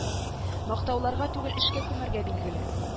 Мактауларга түгел эшкә күмәргә билгеле